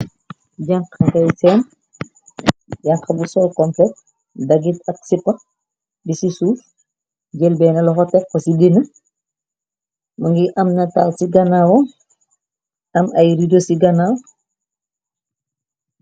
Janxa ngay seen bu sol complet dagit ak sipax bi ci suuf jélbeena loxo texo ci din më ngi am nataal ci ganaawam am ay rido ci ganaaw.